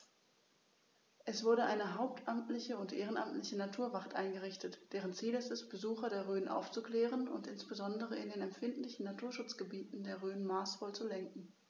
Es wurde eine hauptamtliche und ehrenamtliche Naturwacht eingerichtet, deren Ziel es ist, Besucher der Rhön aufzuklären und insbesondere in den empfindlichen Naturschutzgebieten der Rhön maßvoll zu lenken.